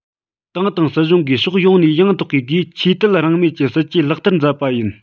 ཏང དང སྲིད གཞུང གིས ཕྱོགས ཡོངས ནས ཡང དག པའི སྒོས ཆོས དད རང མོས ཀྱི སྲིད ཇུས ལག སྟར མཛད པ ཡིན